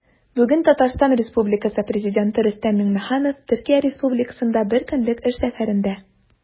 Бүген Татарстан Республикасы Президенты Рөстәм Миңнеханов Төркия Республикасында бер көнлек эш сәфәрендә.